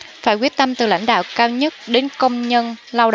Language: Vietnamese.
phải quyết tâm từ lãnh đạo cao nhất đến công nhân lao